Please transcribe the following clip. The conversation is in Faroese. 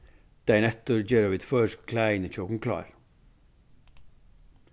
dagin eftir gera vit føroysku klæðini hjá okkum klár